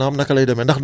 mais soo ko amee